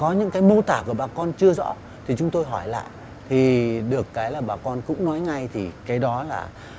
có những cái mô tả mà bà con chưa rõ thì chúng tôi hỏi lại thì được cái là bà con cũng nói ngay thì cái đó là